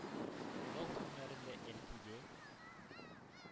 Ял көннәрендә әлкигә,